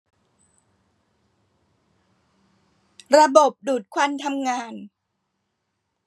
ระบบดูดควันทำงาน